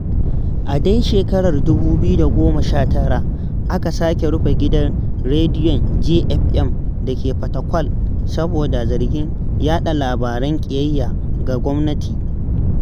A dai shekarar 2019 aka sake rufe Gidan Rediyon Jay FM da ke Fatakwal saboda zargin yaɗa labaran ƙiyayya ga gwamnati.